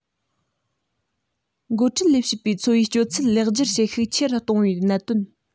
འགོ ཁྲིད ལས བྱེད པའི འཚོ བའི སྤྱོད ཚུལ ལེགས འགྱུར བྱེད ཤུགས ཆེ རུ གཏོང བའི གནད དོན